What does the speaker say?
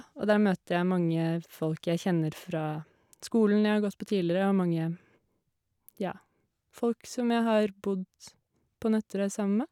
Og der møter jeg mange folk jeg kjenner fra skolen jeg har gått på tidligere og mange, ja, folk som jeg har bodd på Nøtterøy sammen med.